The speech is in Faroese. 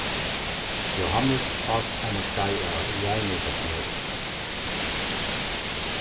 jóhannes át eina skeið av jarðnøtasmøri